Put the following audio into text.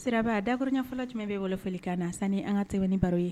Sira dakurunɲɛ fɔlɔ tun bɛ wolofɔ ka na san an ka tɛ ni baro ye